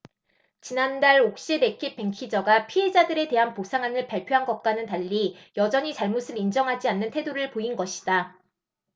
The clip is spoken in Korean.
지난달 옥시레킷벤키저가 피해자들에 대한 보상안을 발표한 것과는 달리 여전히 잘못을 인정하지 않는 태도를 보인 것이다